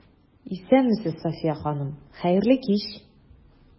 Исәнмесез, Сафия ханым, хәерле кич!